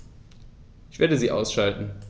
Ich werde sie ausschalten